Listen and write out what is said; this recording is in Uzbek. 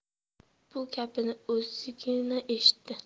bu gapini o'zigina eshitdi